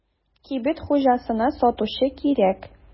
Кибет хуҗасына сатучы кирәк.